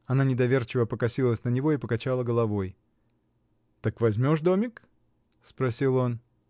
Она недоверчиво покосилась на него и покачала головой. — Так возьмешь домик? — спросил он.